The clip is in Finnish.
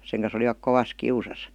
sen kanssa olivat kovassa kiusassa